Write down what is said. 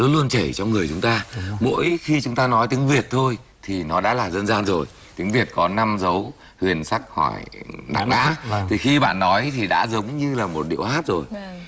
nó luôn chảy trong người chúng ta mỗi khi chúng ta nói tiếng việt thôi thì nó đã là dân gian rồi tiếng việt có năm dấu huyền sắc hỏi ngã thì khi bạn nói thì đã giống như là một điệu hát rồi